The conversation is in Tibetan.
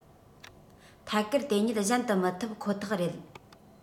ཐད ཀར དེ ཉིད གཞན དུ མི ཐུབ ཁོ ཐག རེད